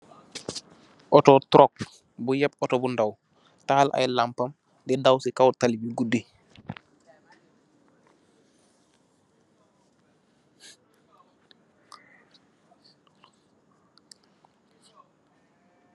Auto truck, bu yep auto bu ndaw, tahal aye lampam, di daw si kaw tallibi gudih.